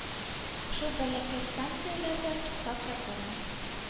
Шул бәләкәй станцияләрдә туктап та тормый.